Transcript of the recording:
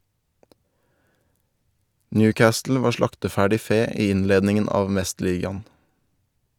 Newcastle var slakteferdig fe i innledningen av mesterligaen.